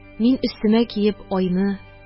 Мин, өстемә киеп, айны,